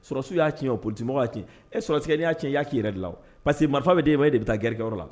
Sɔrɔsiw y'a tiɲɛ o politique mɔgɔw y'a tiɲɛ, e sɔrɔsikɛ ni y'a cɛn i y'a k'i yɛrɛ de la o. parce que marifa bɛ de ma, e de bɛ taa kɛlɛkɛyɔrɔ la